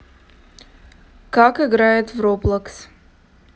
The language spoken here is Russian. как играет в roblox